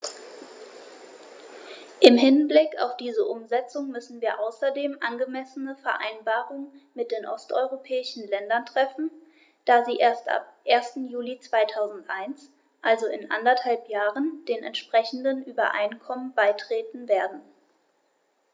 Im Hinblick auf diese Umsetzung müssen wir außerdem angemessene Vereinbarungen mit den osteuropäischen Ländern treffen, da sie erst ab 1. Juli 2001, also in anderthalb Jahren, den entsprechenden Übereinkommen beitreten werden.